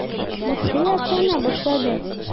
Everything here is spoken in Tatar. Мухрый аклана башлады.